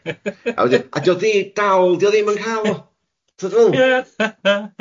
A wedyn, a dio di- dal dio ddim yn cal o. T'od dwi'n feddwl... Ie